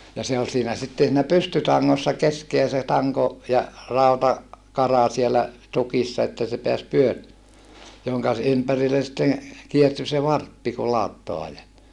ja se oli siinä sitten siinä pystytangossa keskeä se tanko ja - rautakara siellä tukissa että se pääsi - jonka - ympärille sitten kiertyi se varppi kun lauttaa ajetaan